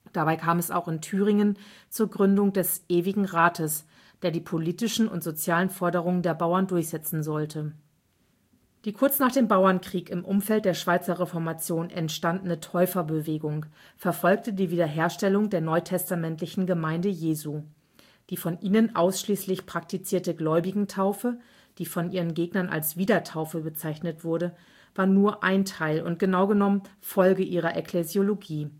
Dabei kam es auch in Thüringen zur Gründung des Ewigen Rates, der die politischen und sozialen Forderungen der Bauern durchsetzen sollte. Die kurz nach dem Bauernkrieg im Umfeld der Schweizer Reformation entstandene Täufer­bewegung verfolgte die Wiederherstellung der neutestamentlichen Gemeinde Jesu. Die von ihnen ausschließlich praktizierte Gläubigentaufe, die von ihren Gegnern als Wiedertaufe bezeichnet wurde, war nur ein Teil und – genau genommen – Folge ihrer Ekklesiologie